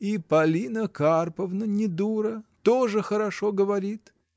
— И Полина Карповна не дура: тоже хорошо говорит.